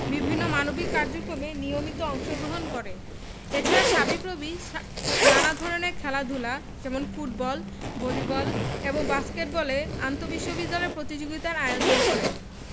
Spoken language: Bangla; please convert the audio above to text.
বিভিন্ন মানবিক কার্যক্রমে নিয়মিত অংশগ্রহণ করে এছাড়া সাবিপ্রবি নানা ধরনের খেলাধুলা ফুটবল ভলিবল এবং বাস্কেটবলে আন্তঃবিশ্ববিদ্যালয় প্রতিযোগিতার আয়োজন করে